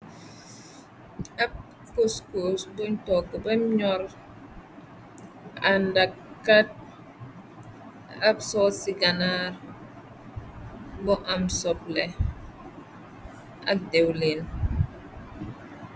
Ab coscos boñ tokk ba ñoor ànda kat ab soor ci ganaar bu am sople ak dewlin.